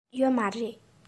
ཡོད མ རེད